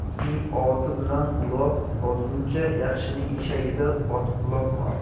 yomonning oti bilan uloq olguncha yaxshining eshagida otquloq ol